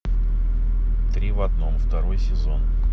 три в одном второй сезон